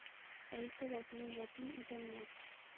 Әйтегез, мин ятим идемме?